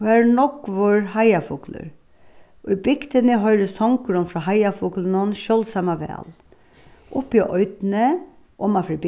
og har er nógvur heiðafuglur í bygdini hoyrist songurin frá heiðafuglinum sjáldsama væl uppi á oynni omanfyri